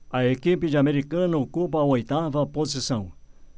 a equipe de americana ocupa a oitava posição